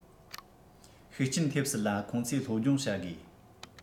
ཤུགས རྐྱེན ཐེབས སྲིད ལ ཁོང ཚོའི སློབ སྦྱོང བྱ དགོས